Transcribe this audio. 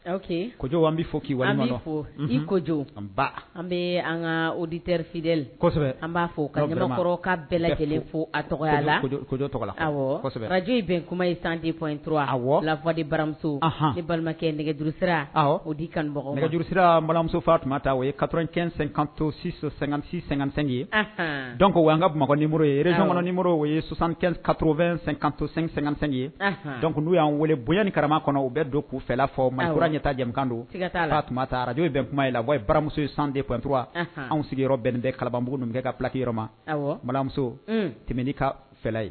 Oke koj anan bɛ fɔ k' wa i koj an bɛ an ka odited an b'a fɔkɔrɔ ka bɛɛ lajɛlen fo a tɔgɔjɔ tɔgɔ laj bɛn kuma ye sanden intu lafifaden baramuso ni balimakɛ nɛgɛjurusira ojurumuso faa tun taa o ye kakɛsisisɛsɛ ye dɔnku an ka m2inmo yerekɔninmo o ye katoro2 kan-sɛn ye dɔnku tunlu y'an weele bonya ni karama kɔnɔ u bɛ don k'u fɛ fɔ malikura ɲɛta jamukan don arajo bɛn kuma ye la wa baramuso ye sandentu anw sigi bɛn kalabanbuguugu min bɛ kɛ ka pakiyɔrɔmamuso tɛmɛn ka fɛla ye